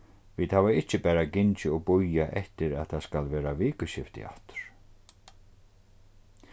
vit hava ikki bara gingið og bíðað eftir at tað skal vera vikuskifti aftur